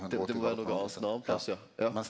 det det må vere noko anna ein annan plass ja ja.